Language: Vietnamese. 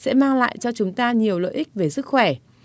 sẽ mang lại cho chúng ta nhiều lợi ích về sức khỏe